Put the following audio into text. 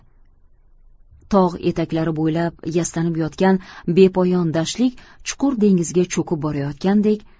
tog' etaklari bo'ylab yastanib yotgan bepoyon dashtlik chuqur dengizga cho'kib borayotgandek